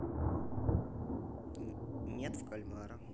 нет в кальмара